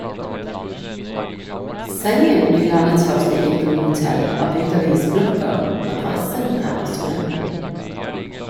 Sengen i landets første igloo-hotell er bygd av isblokker, madrassen er av snø.